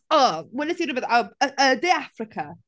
O, weles i rhywbeth a yy yy De Affrica....